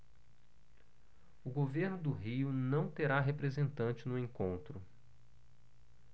o governo do rio não terá representante no encontro